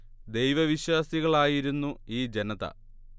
ദൈവ വിശ്വാസികൾ ആയിരുന്നു ഈ ജനത